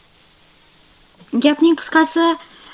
gapning qisqasi